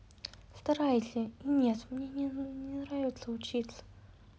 старайся и нет мне не нравится учиться